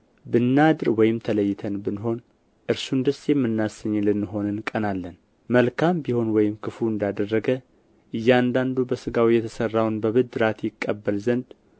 ብናድር ወይም ተለይተን ብንሆን እርሱን ደስ የምናሰኝ ልንሆን እንቀናለን መልካም ቢሆን ወይም ክፉ እንዳደረገ እያንዳንዱ በሥጋው የተሠራውን በብድራት ይቀበል ዘንድ